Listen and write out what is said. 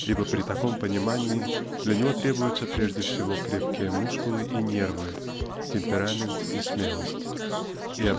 ибо при таком понимании для него требуются прежде всего крепкие мускулы и нервы темперамент и смелость и